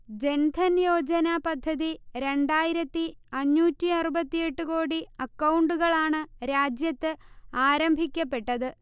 ജൻധൻയോജന പദ്ധതി രണ്ടായിരത്തി അഞ്ഞൂറ്റി അറുപത്തിയെട്ട് കോടി അക്കൗണ്ടുകളാണ് രാജ്യത്ത് ആരംഭിക്കപ്പെട്ടത്